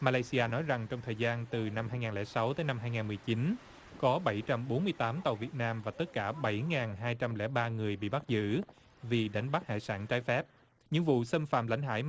ma lai xi a nói rằng trong thời gian từ năm hai ngàn lẻ sáu tới năm hai ngàn mười chín có bảy trăm bốn mươi tám tàu việt nam và tất cả bảy ngàn hai trăm lẻ ba người bị bắt giữ vì đánh bắt hải sản trái phép những vụ xâm phạm lãnh hải